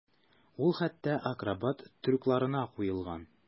Ул хәтта акробат трюкларына куелган.